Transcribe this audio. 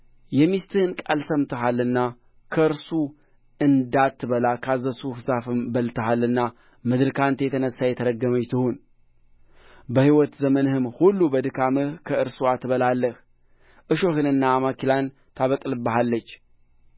የሚስትህን ቃል ሰምተሃልና ከእርሱ እንዳትበላ ካዘዝሁህ ዛፍም በልተሃልና ምድር ከአንተ የተነሣ የተረገመች ትሁን በሕይወት ዘመንህም ሁሉ በድካም ከእርስዋ ትበላለህ እሾህንና አሜከላን ታበቅልብሃለች